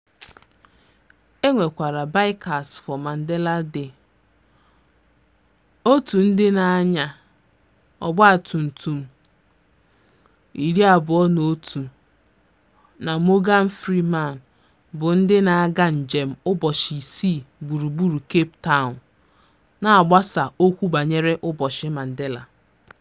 O ruola oge ndị agbaọhụrụ ọzọ na-esote ga-ebido ebe anyị kwụsịrị lụsowe ikpe na-ezighị ezi nke ọhanaeze ọgụ na ikike nke ụmụ mmadụ.